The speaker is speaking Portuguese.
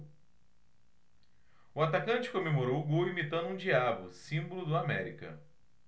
o atacante comemorou o gol imitando um diabo símbolo do américa